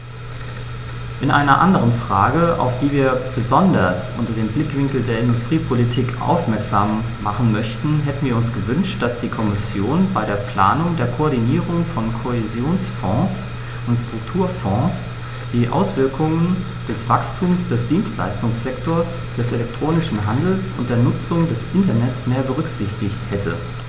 In einer anderen Frage, auf die wir besonders unter dem Blickwinkel der Industriepolitik aufmerksam machen möchten, hätten wir uns gewünscht, dass die Kommission bei der Planung der Koordinierung von Kohäsionsfonds und Strukturfonds die Auswirkungen des Wachstums des Dienstleistungssektors, des elektronischen Handels und der Nutzung des Internets mehr berücksichtigt hätte.